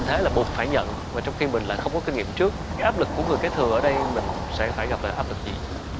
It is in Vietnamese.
thế buộc phải nhận và trong khi mình lại không có kinh nghiệm trước áp lực của người kế thừa ở đây mình sẽ phải gặp lại áp lực gì